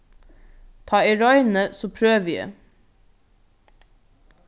tá eg royni so prøvi eg